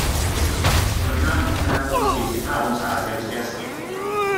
เปิดน้ำอุณหภูมิสี่สิบห้าองศาเซลเซียส